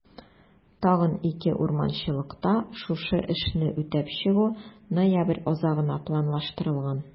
Тагын 2 урманчылыкта шушы эшне үтәп чыгу ноябрь азагына планлаштырылган.